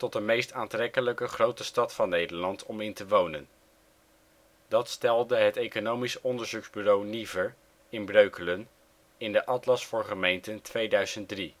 de meest aantrekkelijke grote stad van Nederland om in te wonen. Dat stelde het economisch onderzoeksbureau Nyfer in Breukelen in de ' Atlas voor gemeenten 2003